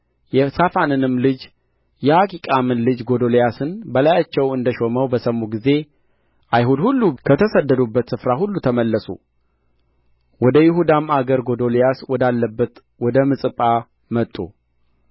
የሳፋንንም ልጅ የአኪቃምን ልጅ ጎዶልያስን በላያቸው እንደ ሾመው በሰሙ ጊዜ አይሁድ ሁሉ ከተሰደዱበት ስፍራ ሁሉ ተመለሱ ወደ ይሁዳም አገር ጎዶልያስ ወዳለበት ወደ ምጽጳ መጡ